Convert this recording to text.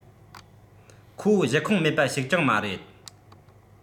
ཁོ གཞི ཁུངས མེད པ ཞིག ཀྱང མ རེད